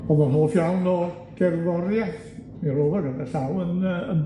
O'dd o'n hoff iawn o gerddoriaeth, mi ro'dd o gyda llaw yy yn